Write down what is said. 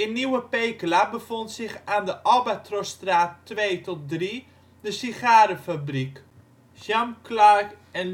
Nieuwe Pekela bevond zich aan de Albatrosstraat 2-3 de sigarenfabriek, Champ Clark & Lugano